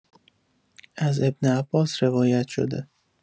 از ابن‌عباس روایت شده